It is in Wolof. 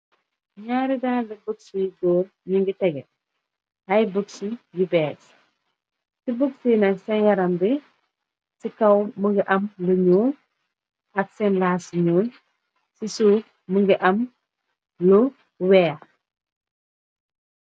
Ñaari daal bux wuy góor ñi ngi tehgeh, ay bux yu beets. Ci bux su yi nag seen yaram bi ci kaw mëngi am lu ñuul ak seen laas yu ñuul, ci suf mëngi am lu weeh.